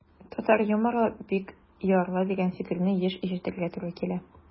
Татар юморы бик ярлы, дигән фикерне еш ишетергә туры килә.